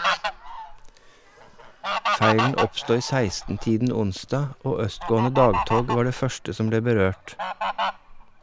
Feilen oppsto i 16-tiden onsdag, og østgående dagtog var det første som ble berørt.